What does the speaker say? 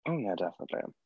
Oh yeah, definitely.